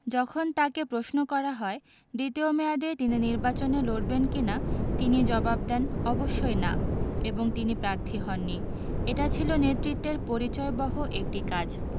যখন তাঁকে প্রশ্ন করা হয় দ্বিতীয় মেয়াদে তিনি নির্বাচনে লড়বেন কি না তিনি জবাব দেন অবশ্যই না এবং তিনি প্রার্থী হননি এটা ছিল নেতৃত্বের পরিচয়বহ একটি কাজ